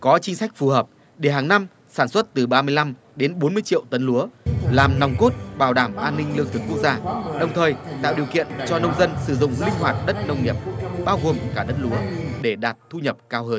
có chính sách phù hợp để hàng năm sản xuất từ ba mươi lăm đến bốn mươi triệu tấn lúa làm nòng cốt bảo đảm an ninh lương thực quốc gia đồng thời tạo điều kiện cho nông dân sử dụng linh hoạt đất nông nghiệp bao gồm cả đất lúa để đạt thu nhập cao hơn